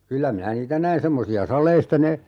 kyllä minä niitä näin semmoisia saleista ne